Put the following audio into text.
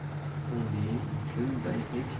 uning shunday hech